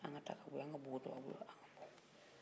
an ka taa ka bɔ yan an ka bugu to a bolo an ka bɔ